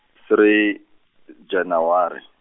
three, Janaware.